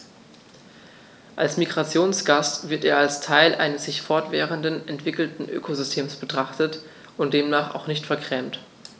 Als Migrationsgast wird er als Teil eines sich fortwährend entwickelnden Ökosystems betrachtet und demnach auch nicht vergrämt.